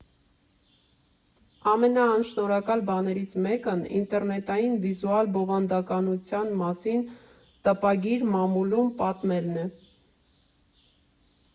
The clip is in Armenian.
Ամենաանշնորհակալ բաներից մեկն ինտերնետային վիզուալ բովանդակության մասին տպագիր մամուլում պատմելն է։